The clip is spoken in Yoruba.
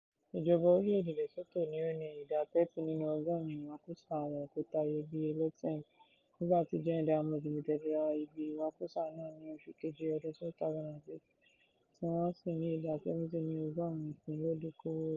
Ìjọba orílẹ̀ èdè Lesotho ni ó ni ìdá 30 nínú ọgọ́rùn-ún Ìwakùsà àwọn Òkúta Iyebíye Letseng, nígbà tí Gen Diamonds Limited ra ibi ìwakùsà náà ní oṣù Keje ọdún 2006 tí wọ́n sì ni ìdá 70 nínú ọgọ́rùn-ún ìpín ìdókowò rẹ̀.